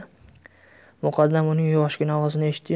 muqaddam uning yuvoshgina ovozini eshitdi yu